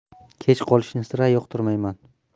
kech qolishni sira yoqtirmayman